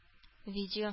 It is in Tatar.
Видео